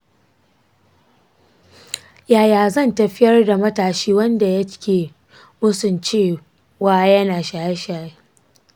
yaya zan tafiyar da matashi wanda yake musun cewa yana shaye-shaye?